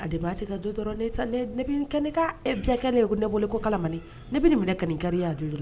A' se ka jo dɔrɔn ne bɛ ne ka diyakɛ ne ye ko nebɔ ko kalamani ne bɛ nin minɛ ka nin kari y' jo joli la